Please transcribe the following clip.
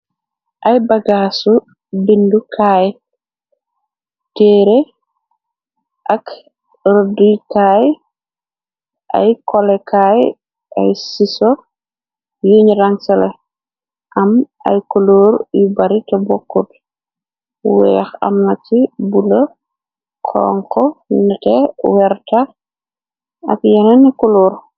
ay bagaasu bindukaay teere ak rëdukaay ay kolekaay ay siso yu ñ rangsale am ay kuloor yu bari te bokkut weex am na ci bu la konko nete werta ak yena ni kuloor